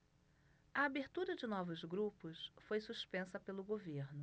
a abertura de novos grupos foi suspensa pelo governo